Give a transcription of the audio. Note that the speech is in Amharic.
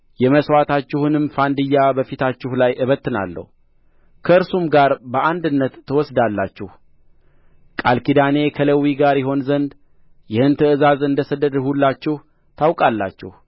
የመሥዋዕታችሁንም ፋንድያ በፊታችሁ ላይ እበትናለሁ ከእርሱም ጋር በአንድነት ትወሰዳላችሁ ቃል ኪዳኔ ከሌዊ ጋር ይሆን ዘንድ ይህን ትእዛዝ እንደ ሰደድሁላችሁ ታውቃላችሁ